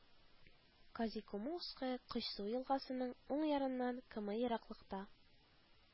Казикумухское Койсу елгасының уң ярыннан км ераклыкта